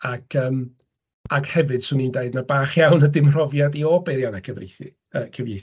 Ac yym ac hefyd, 'swn i'n dweud na bach iawn ydy mhrofiad i o beirianna cyfreithu yy cyfieithu.